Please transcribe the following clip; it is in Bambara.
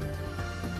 San